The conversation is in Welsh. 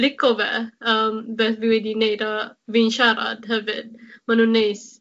lico fe yym beth fi wedi neud a fi'n siarad hefyd. Ma' nw'n neis.